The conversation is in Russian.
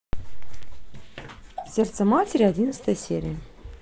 сердце матери одиннадцатая серия